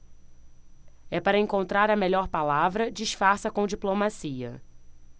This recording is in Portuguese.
é para encontrar a melhor palavra disfarça com diplomacia